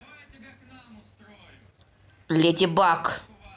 леди баг